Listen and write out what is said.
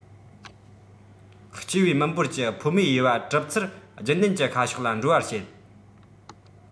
སྐྱེ བའི མི འབོར གྱི ཕོ མོའི དབྱེ བ གྲུབ ཚུལ རྒྱུན ལྡན གྱི ཁ ཕྱོགས ལ འགྲོ བར བྱེད